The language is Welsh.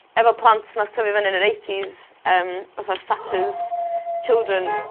efo plant nath tyfu fynny yn yr eighties yym fatha Thatcher's children